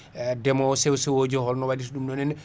deemowo sewo sewoji holno waɗirta vum ɗon henna